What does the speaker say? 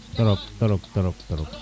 trop trop trop